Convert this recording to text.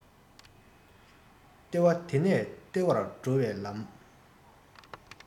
ལྟེ བ དེ ནས ལྟེ བར འགྲོ བའི ལམ